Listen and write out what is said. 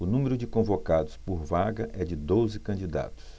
o número de convocados por vaga é de doze candidatos